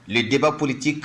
Tilebba politi